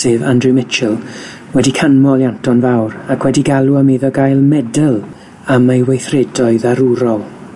sef Andrew Mitchel, wedi canmol Ianto'n fawr, ac wedi galw am iddo gael medl am ei weithredoedd arwrol.